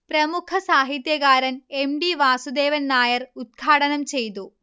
പ്രമുഖസാഹിത്യകാരൻ M. T. Vasudevan Nair ഉദ്ഘാടനം ചെയ്തു